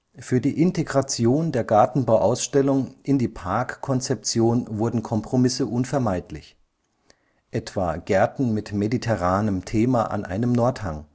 Für die Integration der Gartenbauausstellung in die Parkkonzeption wurden Kompromisse unvermeidlich, etwa Gärten mit mediterranem Thema an einem Nordhang